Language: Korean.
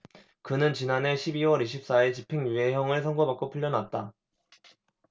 그는 지난해 십 이 월 이십 사 일 집행유예형을 선고받고 풀려났다